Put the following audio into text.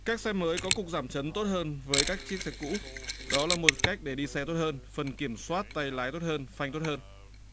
các xe mới có cục giảm chấn tốt hơn với các chiếc xe cũ đó là một cách để đi xe tốt hơn phần kiểm soát tay lái tốt hơn phanh tốt hơn